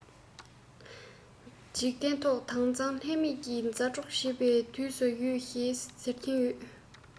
འཇིག རྟེན ཐོག དྭངས གཙང ལྷད མེད ཀྱི མཛའ གྲོགས བྱིས པའི དུས སུ ཡོད ཞེས ཟེར གྱིན ཡོད